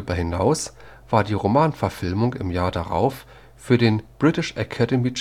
hinaus war die Romanverfilmung im Jahr darauf für den British Academy